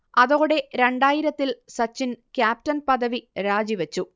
അതോടെ രണ്ടായിരത്തിൽ സച്ചിൻ ക്യാപ്റ്റൻ പദവി രാജിവച്ചു